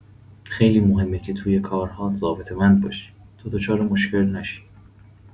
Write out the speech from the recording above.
خیلی مهمه که تو کارهات ضابطه‌مند باشی تا دچار مشکل نشی.